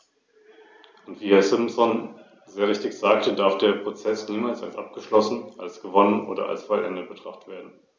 Wir hoffen, dass diejenigen, die eine Ablehnung dieser Änderungsanträge in Betracht ziehen, sowohl dem Parlament als auch ihren Arbeit suchenden Bürgern triftige Gründe für ihre Entscheidung nennen können.